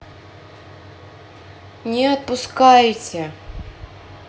не отпускайте